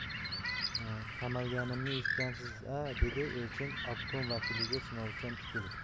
qamalganimni eshitgansiz a dedi elchin obkom vakiliga sinovchan tikilib